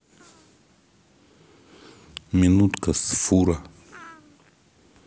минутка с фура